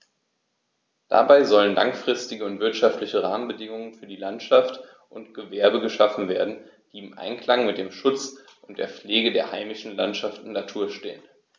Dabei sollen langfristige und wirtschaftliche Rahmenbedingungen für Landwirtschaft und Gewerbe geschaffen werden, die im Einklang mit dem Schutz und der Pflege der heimischen Landschaft und Natur stehen.